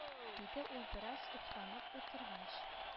Диде ул бераз уфтанып утыргач